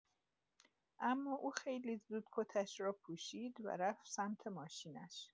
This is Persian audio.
اما اون خیلی زود کتش رو پوشید و رفت سمت ماشینش.